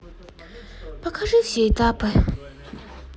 покажи все этапы